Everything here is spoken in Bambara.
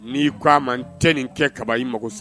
N'ii k ko a ma n tɛ nin kɛ kaba i mako si